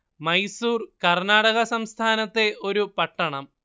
മൈസൂർ കർണാടക സംസ്ഥാനത്തെ ഒരു പട്ടണം